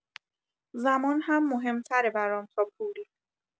زمان هم مهم تره برام تا پول.